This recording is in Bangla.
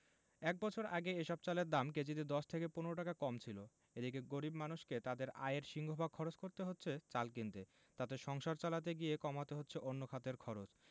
এক বছর আগে এসব চালের দাম কেজিতে ১০ থেকে ১৫ টাকা কম ছিল এদিকে গরিব মানুষকে তাঁদের আয়ের সিংহভাগ খরচ করতে হচ্ছে চাল কিনতে তাতে সংসার চালাতে গিয়ে কমাতে হচ্ছে অন্য খাতের খরচ